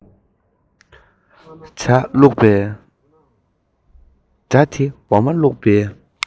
ཇ བླུག པའི སྒྲ དེ འོ མ བླུག པའི